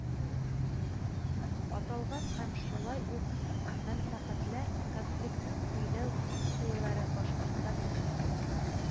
Аталган һәм шулай ук мәнфәгатьләр конфликтын көйләү функцияләре башкортстан республикасы